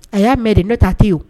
A y'a mɛn de n'o tɛ, a tɛ yen o.